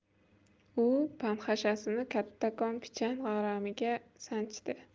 u panshaxasini kattakon pichan g'aramiga sanchdi